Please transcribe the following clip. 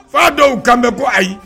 Fa dɔw kanbe bɔ ayi